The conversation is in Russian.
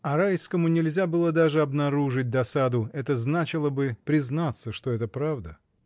А Райскому нельзя было даже обнаружить досаду: это значило бы — признаться, что это правда.